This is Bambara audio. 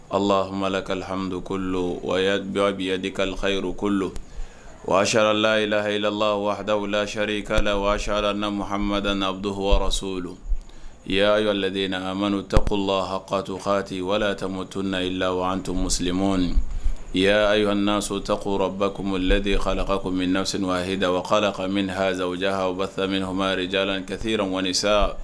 Alalakahamidu kol wajibiyadi kalkay kol waaalayilhiyilala wahadallahari'a la waaara na muhamidadbu don hwaraso don yay ladiina a ma tako la hakato hati wala tamamoto nayi la anto mu m y aysotakobako la de halka kɔmi na senyida wa' la ka min hazsa uja ha waata min hama ja la kate sa